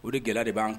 O de gɛlɛya b'an kan